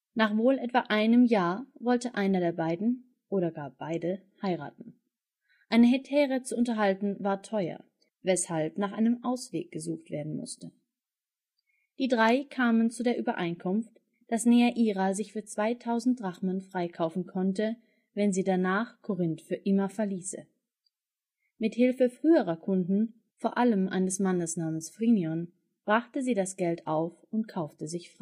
Nach wohl etwa einem Jahr wollte einer der beiden (oder gar beide) heiraten. Eine Hetäre zu unterhalten war teuer, weshalb nach einem Ausweg gesucht werden musste. Die drei kamen zu der Übereinkunft, dass Neaira sich für 2.000 Drachmen freikaufen konnte, wenn sie danach Korinth für immer verließe. Mit Hilfe früherer Kunden, vor allem eines Mannes namens Phrynion, brachte sie das Geld auf und kaufte sich